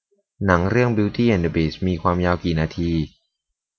หนังเรื่องบิวตี้แอนด์เดอะบีสต์มีความยาวกี่นาที